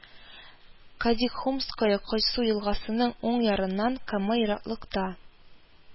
Казикумухское Койсу елгасының уң ярыннан км ераклыкта